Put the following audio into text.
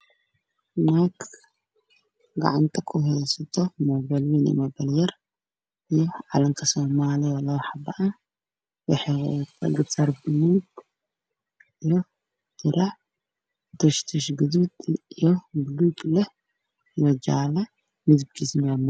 Meeshaan waxaa ka muuqdo naag gacanta ku heysto mobile iyo calanka somaliya